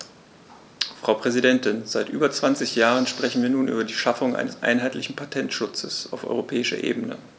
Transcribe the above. Frau Präsidentin, seit über 20 Jahren sprechen wir nun über die Schaffung eines einheitlichen Patentschutzes auf europäischer Ebene.